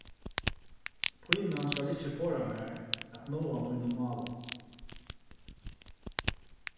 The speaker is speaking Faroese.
pínan skal ikki forða mær at náa mínum málum